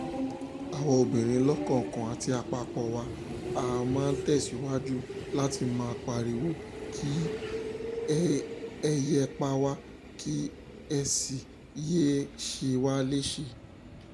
Àwa obìnrin lọ́kọ̀ọ̀kan àti àpapọ̀ọ wa, a máa tẹ̀síwajú láti máa pariwo kí "ẹ yéé pa wá" kí ẹ sì "yéé ṣe wá léṣe".